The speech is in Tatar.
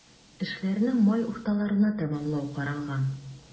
Эшләрне май урталарына тәмамлау каралган.